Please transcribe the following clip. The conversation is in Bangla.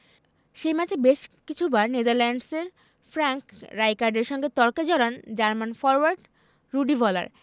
সে ম্যাচে বেশ কিছুবার নেদারল্যান্ডসের ফ্র্যাঙ্ক রাইকার্ডের সঙ্গে তর্কে জড়ান জার্মান ফরোয়ার্ড রুডি ভলার